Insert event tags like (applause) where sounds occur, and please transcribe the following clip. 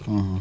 (hesitation) (hesitation)